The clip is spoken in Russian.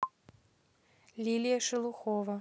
лилия шелухова